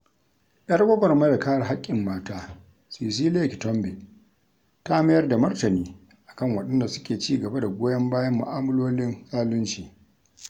Yar gwagwarmayar kare haƙƙin mata Cecilia Kitombe ta mayar da martani a kan waɗanda suke cigaba da goyon bayan mu'amalolin zalunci: